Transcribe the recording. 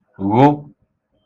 ghụ